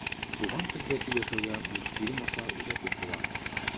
Туган телдә сөйләшергә мультфильм аша өйрәтеп була.